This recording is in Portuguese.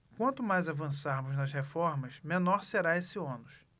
quanto mais avançarmos nas reformas menor será esse ônus